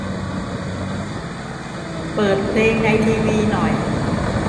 เปิดเพลงในทีวีหน่อย